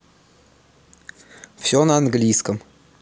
все на английском